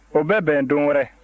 o bɛ bɛn don wɛrɛ